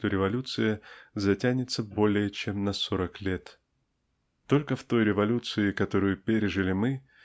что революция затянется более чем на сорок лет. Только в той революции которую пережили мы